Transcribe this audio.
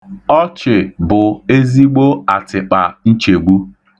Ọchị bụ ezigbo atịkpa nchegbu.